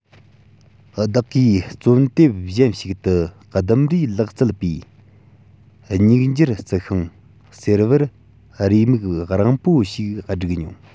བདག གིས རྩོམ དེབ གཞན ཞིག ཏུ ལྡུམ རའི ལག རྩལ པས མྱུག འགྱུར རྩི ཤིང ཟེར པར རེའུ མིག རིང པོ ཞིག བསྒྲིགས མྱོང